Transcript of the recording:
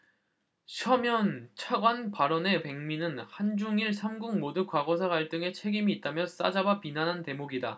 셔먼 차관 발언의 백미는 한 중 일 삼 국 모두 과거사 갈등에 책임이 있다며 싸잡아 비난한 대목이다